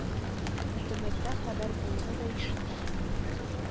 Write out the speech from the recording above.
Интернетта хәбәр булуны да ишетмәгән ул